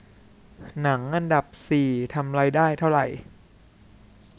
หนังอันดับสี่ทำรายได้เท่าไหร่